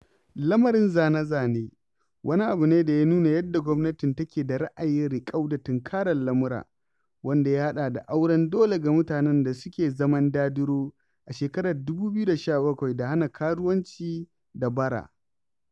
Lamarin "zane-zane" wani abu ne da ya nuna yadda gwamnatin take da ra'ayin riƙau da tunkarar lamura, wanda ya haɗa da auren dole ga mutanen da suke zaman dadiro a shekarar 2017 da hana karuwanci da bara.